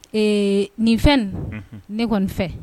Ee nin fɛn ne kɔni nin fɛ